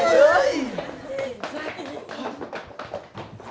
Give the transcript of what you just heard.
tìm đi ông ơi